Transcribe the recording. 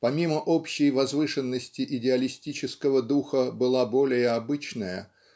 помимо общей возвышенности идеалистического духа была более обычная